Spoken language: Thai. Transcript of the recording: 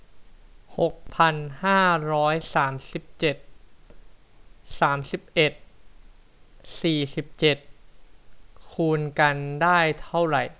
หกพันห้าร้อยสามสิบเจ็ดสามสิบเอ็ดสี่สิบเจ็ดคูณกันได้เท่าไหร่